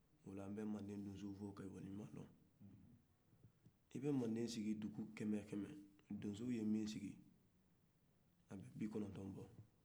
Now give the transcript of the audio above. ola an bɛ manden donsow fo k'u waleɲumandɔ i bɛ manden sigi dugu kɛmɛ o kɛmɛ donsow ye min sigi a bɛ bikɔnɔtɔn bɔ